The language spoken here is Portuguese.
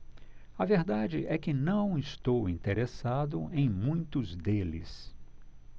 a verdade é que não estou interessado em muitos deles